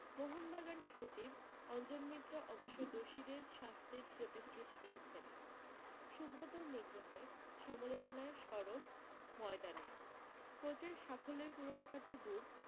মোহনবাগান সচিব অঞ্জন মিত্র অবশ্য দোষীদের শাস্তির প্রতিশ্রুতি দিয়েছেন সুব্রতর নিগ্রহে সমালোচনায় সরব ময়দানও কোচিং সাফল্যের পুরস্কার তো দূর